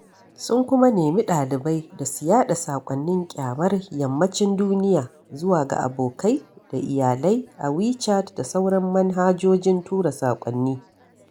Sun kuma nemi ɗalibai da su yaɗa saƙonnin ƙyamar Yammacin duniya zuwa ga abokai da iyalai a Wechat da sauran manhajojin tura saƙonni.